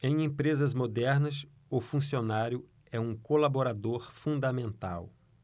em empresas modernas o funcionário é um colaborador fundamental